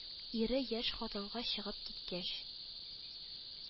Ире яшь хатынга чыгып киткәч